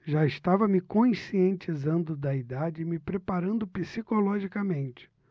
já estava me conscientizando da idade e me preparando psicologicamente